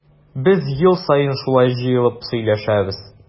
Без ел саен шулай җыелып сөйләшәбез.